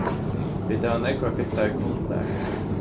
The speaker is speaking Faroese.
vit hava nógvar fittar kundar